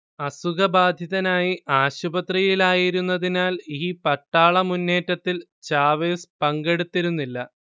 അസുഖബാധിതനായി ആശുപത്രിയിൽ ആയിരുന്നതിനാൽ ഈ പട്ടാളമുന്നേറ്റത്തിൽ ചാവേസ് പങ്കെടുത്തിരുന്നില്ല